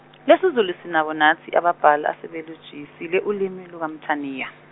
lwesiZulu sinabo nathi ababhali asebelujiyisile ulimi lukaMthaniya.